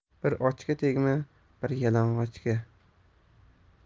bir ochga tegma bir yalang'ochga